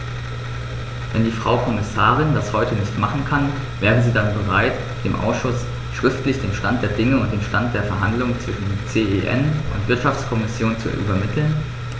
Wenn die Frau Kommissarin das heute nicht machen kann, wäre sie dann bereit, dem Ausschuss schriftlich den Stand der Dinge und den Stand der Verhandlungen zwischen CEN und Wirtschaftskommission zu übermitteln?